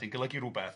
...sy'n golygu rwbeth.